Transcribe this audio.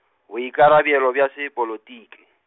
boikarabelo bja sepolitiki.